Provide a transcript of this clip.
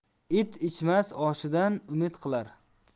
it ichmas oshidan umid qilar